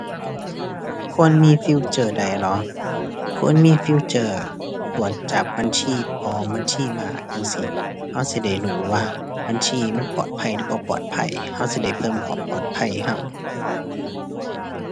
ควรมีฟีเจอร์ใดเหรอ ควรมีฟีเจอร์ตรวจจับบัญชีปลอม บัญชีม้าจั่งซี้ เราสิได้รู้ว่าบัญชีมันปลอดภัยหรือบ่ปลอดภัย เราสิได้เพิ่มความปลอดภัยให้เรา